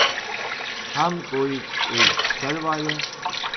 hann býr í sørvági